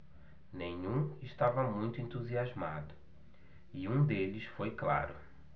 nenhum estava muito entusiasmado e um deles foi claro